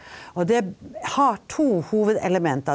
og det har to hovedelementer.